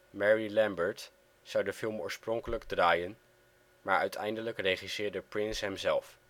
Mary Lambert zou de film oorspronkelijk draaien, maar uiteindelijk regisseerde Prince hem zelf